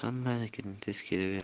hammanikidan tez kelaverardi